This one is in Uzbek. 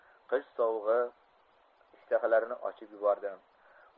qish sovug'i ishtahalarini ochib yubordi